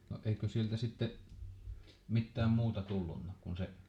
no eikö sieltä sitten mitään muuta tullut kun se